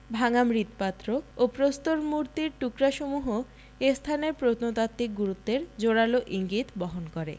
ভাঙা মৃৎপাত্র ও প্রস্তর মূর্তির টুকরাসমূহ এ স্থানের প্রত্নতাত্ত্বিক গুরুত্বের জোরাল ইঙ্গিত বহন করে